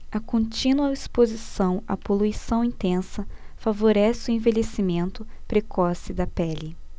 a contínua exposição à poluição intensa favorece o envelhecimento precoce da pele